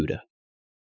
Հյուրը։